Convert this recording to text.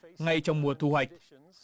ngay trong mùa thu hoạch